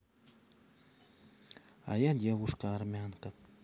а я девушка армянка